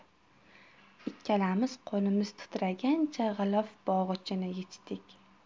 ikkalamiz qo'limiz titragancha g'ilof bog'ichini yechdik